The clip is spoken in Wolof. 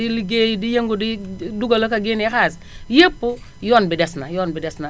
di ligéey di yëngu di dugal ak a génnee xaalis yépp yoon bi des na yoon bi des na